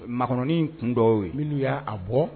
Makɔnɔnin kun dɔ y'o ye. Minnu y'a a bɔ